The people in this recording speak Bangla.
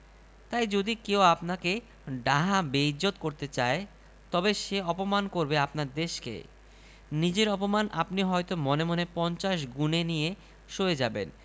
তাই যদি কেউ আপনাকে ডাহা বেইজ্জত্ করতে চায় তবে সে অপমান করবে আপনার দেশকে নিজের অপমান আপনি হয়ত মনে মনে পঞ্চাশ গুণে নিয়ে সয়ে যাবেন